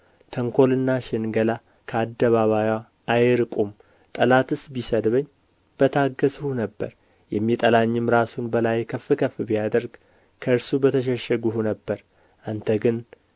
ተንኰልና ሽንገላ ከአደባባይዋ አይርቁም ጠላትስ ቢሰድበኝ በታገሥሁ ነበር የሚጠላኝም ራሱን በላዬ ከፍ ከፍ ቢያደርግ ከእርሱ በተሸሸግሁ ነበር አንተ ግን